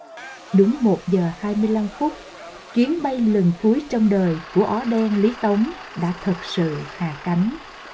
đúng một giờ hai mươi lăm phút chuyến bay lần cuối trong đời của á đen lý tống đã thực sự hạ cánh